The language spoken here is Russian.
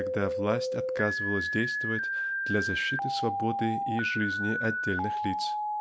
когда власть отказывалась действовать для защиты свободы и жизни отдельных лиц".